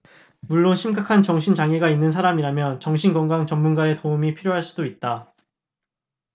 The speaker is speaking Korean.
물론 심각한 정신 장애가 있는 사람이라면 정신 건강 전문가의 도움이 필요할 수 있다